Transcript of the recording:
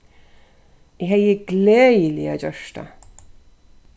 eg hevði gleðiliga gjørt tað